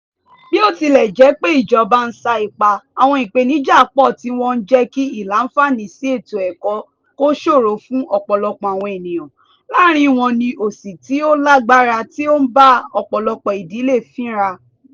Bí ó tilẹ̀ jẹ́ pé ìjọba ń sa ipá, àwọn ìpèníjà pọ̀ tí wọ́n ń jẹ́ kí ìláǹfààní sí ètò ẹ̀kọ́ kó ṣòro fún ọ̀pọ̀lọpọ̀ àwọn ènìyàn, láàárín wọn ni òsì tí ó lágbára tí ó ń bá ọ̀pọ̀lọpọ̀ ìdílé fínra.